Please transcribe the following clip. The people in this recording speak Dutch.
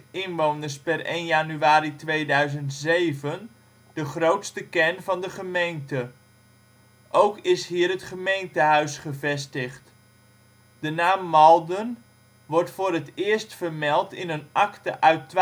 inwoners (peildatum 1 januari 2007) de grootste kern van de gemeente. Ook is hier het gemeentehuis gevestigd. De naam Malden wordt voor het eerst vermeld in een akte uit